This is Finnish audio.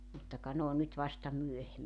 mutta ka ne on nyt vasta myöhemmin